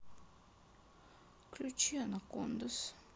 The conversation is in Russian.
включи анакондас